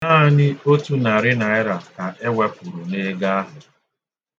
Naanị otu narị naịra ka e wepụrụ n'ego ahụ.